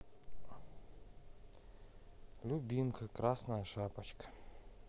любимка красная шапочка